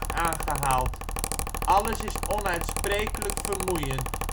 aangehaald: Alles is onuitsprekelijk vermoeiend